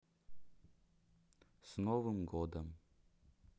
с новым годом